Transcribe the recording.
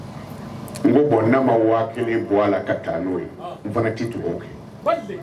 Nko bɔn n'a ma wa 1 bɔ a la ka taa n'o ye in fana tɛ dugawu kɛ.